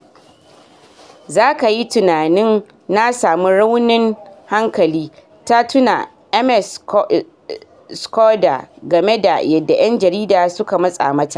"Za ka yi tunanin na samu raunin hankali," ta tuna Ms. Schroeder game da yadda 'yan jarida suka matsa mata.